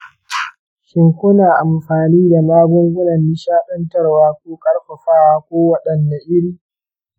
shin ku na amfani da magungunan nishaɗantarwa ko ƙarfafawa kowaɗanne iri?